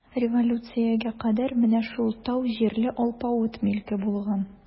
Революциягә кадәр менә шул тау җирләре алпавыт милке булган.